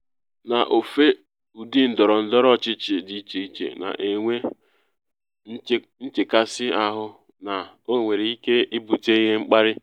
AMs n’ofe ụdị ndọrọndọrọ ọchịchị dị iche iche na enwe nchekasị ahụ na ọ nwere ike ibute ihe mkparị.